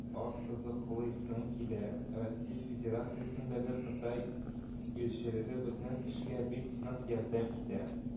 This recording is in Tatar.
Ассызыклыйсым килә: россия федерациясендәге кытай илчелеге безнең эшкә бик нык ярдәм итә»